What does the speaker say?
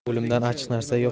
o'limdan achchiq narsa yo'q